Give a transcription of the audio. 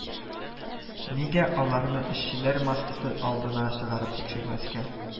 Нигә аларны эшчеләр массасы алдына чыгарып тикшермәскә